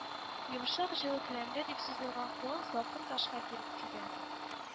Йомшак, җылы келәмгә дип сузылган кулым салкын ташка килеп тиде